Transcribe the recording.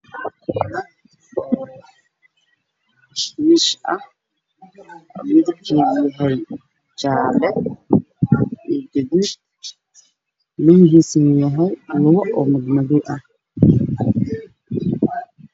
Waa meel miis ah midabkeedu uu yahay jaale iyo gaduud, gadaashiisa waa carro madow ah.